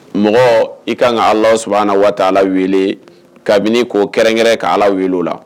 Mɔgɔ i ka kan ka ala s waati ala wele kabini ko kɛrɛnkɛɛrɛ ka ala wele la